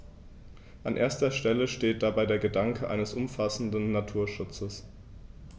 An erster Stelle steht dabei der Gedanke eines umfassenden Naturschutzes.